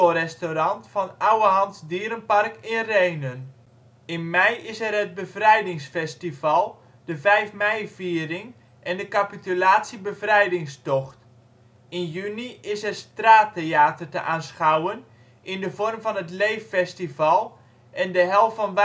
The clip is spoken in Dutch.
restaurant van Ouwehands Dierenpark in Rhenen. In mei is er het Bevrijdingsfestival, de 5 mei-viering en de Capitulatie Bevrijdingstocht. In juni is er straattheater te aanschouwen in de vorm van het Leeffestival en de Hel van Wageningen/Jan